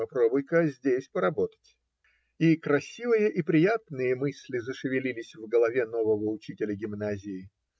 попробуй-ка здесь поработать!" И красивые и приятные мысли зашевелились в голове нового учителя гимназии.